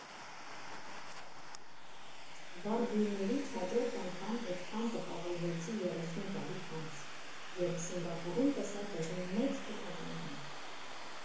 Վառ գույներից հաջորդ անգամ էդքան տպավորվեցի երեսուն տարի անց, երբ Սինգապուրում տեսա տեղի մեծ թութակներին։